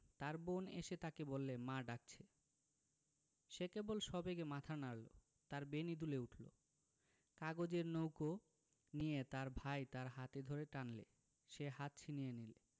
তার বোন এসে তাকে বললে মা ডাকছে সে কেবল সবেগে মাথা নাড়ল তার বেণী দুলে উঠল কাগজের নৌকো নিয়ে তার ভাই তার হাত ধরে টানলে সে হাত ছিনিয়ে নিলে